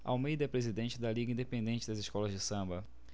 almeida é presidente da liga independente das escolas de samba